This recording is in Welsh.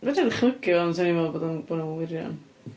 Fedra i ddychymygu fo, ond 'swn i'n meddwl bod o'n... bo' nhw'n wirion.